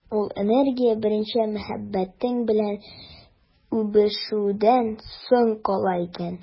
Ул энергия беренче мәхәббәтең белән үбешүдән соң кала икән.